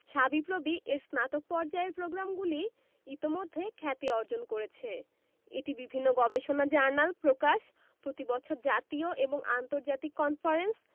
সাবিপ্রবি এর স্নাতক পর্যায়ের প্রগ্রামগুলি ইতোমধ্যে খ্যাতি অর্জন করেছে এটি বিভিন্ন গবেষণা জার্নাল প্রকাশ প্রতি বছর জাতীয় এবং আন্তর্জাতিক কনফারেন্স